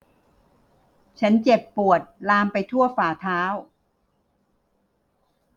ฉันเจ็บปวดลามไปทั่วฝ่าเท้า